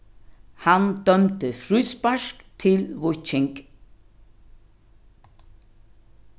hann dømdi fríspark til víking